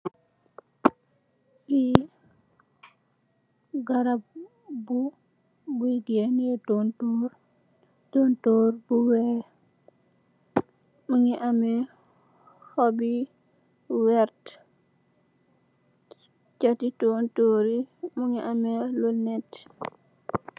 Lii garab buy gene toontor, toontor bu weex, mingi amme xob yu werta, chat ti toontor yi mingi amme lu nete.